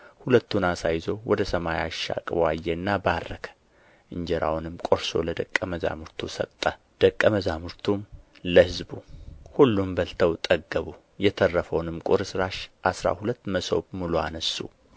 ሁለቱን ዓሣ ይዞ ወደ ሰማይ አሻቅቦ አየና ባረከ እንጀራውንም ቆርሶ ለደቀ መዛሙርቱ ሰጠ ደቀ መዛሙርቱም ለሕዝቡ ሁሉም በልተው ጠገቡ የተረፈውንም ቁርስራሽ አሥራ ሁለት መሶብ ሙሉ አነሡ